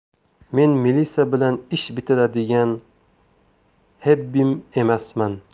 men milisa bilan ish bitiradigan hebbim emasman